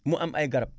mu am ay garab